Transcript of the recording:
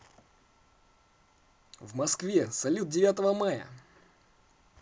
в москве салют девятого мая